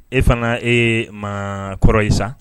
E fana e ma kɔrɔ ye i la ?